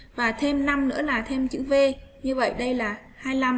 bài thêm nữa là thêm chữ v như vậy đây là